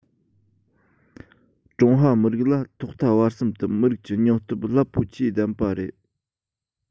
ཀྲུང ཧྭ མི རིགས ལ ཐོག མཐའ བར གསུམ དུ མི རིགས ཀྱི སྙིང སྟོབས རླབས པོ ཆེ ལྡན པ རེད